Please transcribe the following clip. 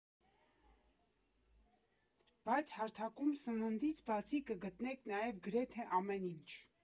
Բայց հարթակում սննդից բացի կգտնեք նաև գրեթե ամեն ինչ.